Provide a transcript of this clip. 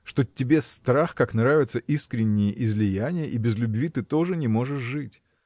что тебе страх как нравятся искренние излияния и без любви ты тоже не можешь жить